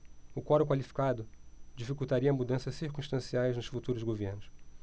o quorum qualificado dificultaria mudanças circunstanciais nos futuros governos